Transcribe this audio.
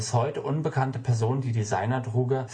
heute unbekannte Person die Designerdroge